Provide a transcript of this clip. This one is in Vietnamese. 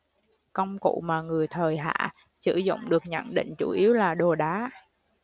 công cụ mà người thời hạ sử dụng được nhận định chủ yếu là đồ đá